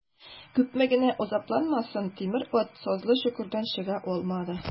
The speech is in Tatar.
Күпме генә азапланмасын, тимер ат сазлы чокырдан чыга алмады.